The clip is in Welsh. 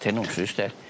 Ten ounces 'de.